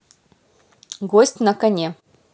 гость на коне